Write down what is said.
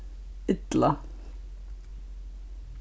illa